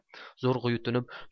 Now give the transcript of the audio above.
zo'rg'a yutinib